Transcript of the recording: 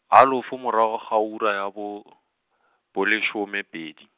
halofo morago ga ura ya bo, bolesomepedi.